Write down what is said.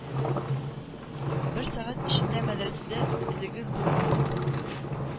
Бер сәгать эчендә мәдрәсәдә эзегез булмасын!